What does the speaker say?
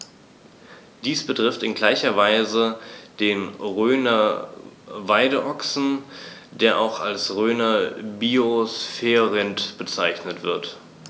Dies betrifft in gleicher Weise den Rhöner Weideochsen, der auch als Rhöner Biosphärenrind bezeichnet wird.